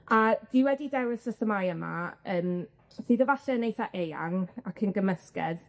A dwi wedi dewis y themâu yma yym sydd efalle'n eitha eang ac yn gymysgedd.